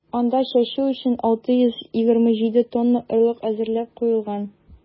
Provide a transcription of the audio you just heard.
Анда чәчү өчен 627 тонна орлык әзерләп куелган.